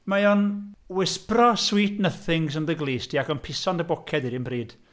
Mae o'n wisperio sweet nothings yn dy glust di ac yn piso'n dy boced di yr un bryd.